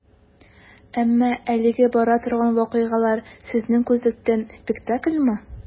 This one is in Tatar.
Әмма әлегә бара торган вакыйгалар, сезнең күзлектән, спектакльмы?